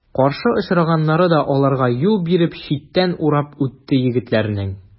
Каршы очраганнары да аларга юл биреп, читтән урап үтте егетләрнең.